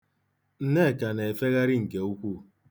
Nneka na-efegharị nke ukwuu.